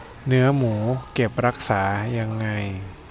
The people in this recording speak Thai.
เนื้อหมูเก็บรักษายังไง